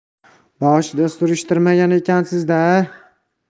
boshida surishtirmagan ekansiz da